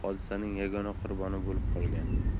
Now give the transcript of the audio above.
hodisaning yagona qurboni bo'lib qolgan